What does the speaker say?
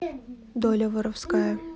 доля воровская